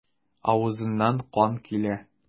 Авызыннан кан килә.